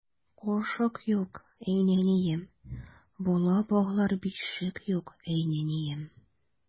Кашык юк, ай нәнием, Бала баглар бишек юк, ай нәнием.